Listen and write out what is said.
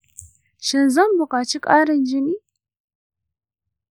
shin zan buƙaci ƙarin jini?